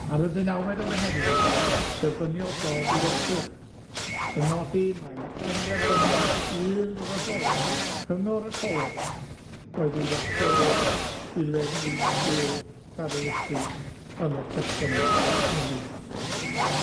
Ar y ddeunawfed o Fehefin, derbyniodd Dodd lythyr, yn nodi mai penderfyniad unfrydol cyngor y coleg, oedd ei wahodd i lenwi swydd ddarlithydd yn y Testament Newydd.